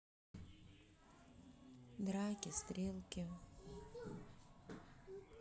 драки стрелки